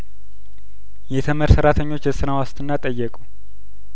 የተመድ ሰራተኞች የስራ ዋስትና ጠየቁ